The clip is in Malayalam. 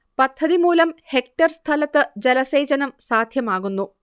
പദ്ധതിമൂലം ഹെക്റ്റർ സ്ഥലത്ത് ജലസേചനം സാധ്യമാകുന്നു